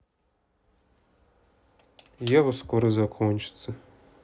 ева скоро закончится